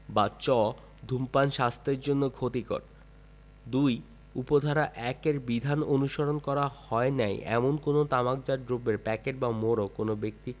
বা চ ধূমপান স্বাস্থ্যের জন্য ক্ষতিকর ২ উপ ধারা ১ এর বিধান অনুসরণ করা হয় নাই এমন কোন তামাকজাত দ্রব্যের প্যাকেট বা মোড়ক কোন ব্যক্তি